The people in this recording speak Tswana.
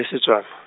e Setswana.